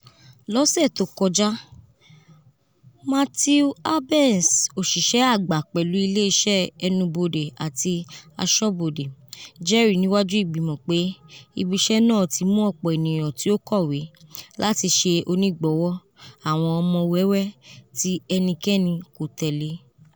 Lọsẹ to kọja, Matthew Albence, oṣiṣẹ agba pẹlu ile iṣẹ Ẹnubode ati Aṣọbode, jẹri niwaju Igbimọ pe ibiṣẹ naa ti mu ọpọ eniyan ti o kọwe lati ṣe onigbọwọ awọn ọmọ wẹwẹ ti ẹnikẹni ko tẹle.